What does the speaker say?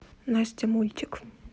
настя мультик